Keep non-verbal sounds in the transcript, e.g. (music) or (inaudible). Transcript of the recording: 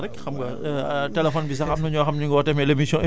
(hesitation) (hesitation) surtout bu sa sa colègue bi fi woote sànq rek